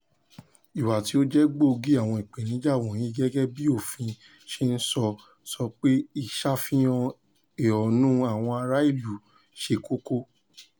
Ìwà tí ó jẹ́ gbòògì àwọn ìpèníjà wọ̀nyí gẹ́gẹ́ bíi òfin ṣe ń sọ, sọ pé ìṣàfihàn ẹ̀honú àwọn ará ìlú ṣe koko.